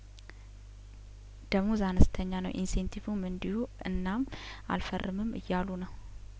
ደሞዝ አነስተኛ ነው ኢንሴንቲቩም እንዲሁ እናም አልፈርምም እያሉ ነው